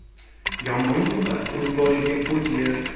yomon buqa o'z boshiga o't yer